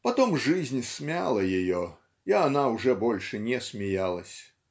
Потом жизнь смяла ее, и она уже больше не смеялась.